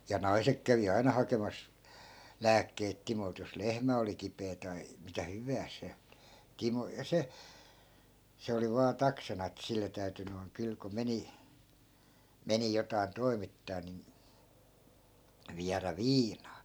ja naiset kävi aina hakemassa lääkkeitä Timolta jos lehmä oli kipeä tai mitä hyvänsä se Timo ja se se oli vain taksana että sille täytyi noin kyllä kun meni meni jotakin toimittaa niin viedä viinaa